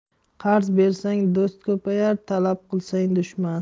qarz bersang do'st ko'payar talab qilsang dushman